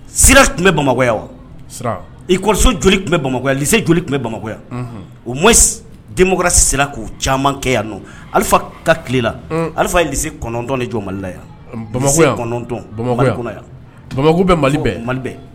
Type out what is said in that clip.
Sira tun bɛ bamakɔ wa isɔ joli tun bɛ bamayan li joli tun bɛ bama yan o mɔ denra sera k'u caman kɛ yan n ali ka tilela ali kɔnɔntɔn de jɔ malila yan bamakɔtɔn yan bamakɔ bɛ mali mali